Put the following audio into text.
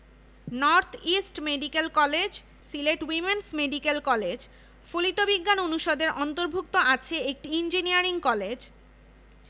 শিক্ষার্থীরা বিভিন্ন ধরনের এক্সটা কারিকুলার এবং কো কারিকুলার কার্যক্রমরে সঙ্গে যুক্ত শিক্ষার্থীরা বেশ কয়েকটি সামাজিক এবং সাংস্কৃতিক সংগঠন গঠন করেছে যা